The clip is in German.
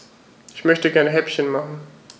Ich möchte gerne Häppchen machen.